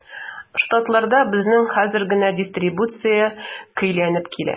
Штатларда безнең хәзер генә дистрибуция көйләнеп килә.